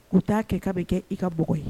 U t'a kɛ ka bɛ kɛ i ka